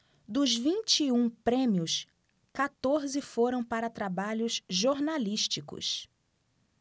dos vinte e um prêmios quatorze foram para trabalhos jornalísticos